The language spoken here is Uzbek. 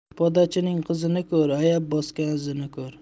podachining qizini ko'r ayab bosgan izini ko'r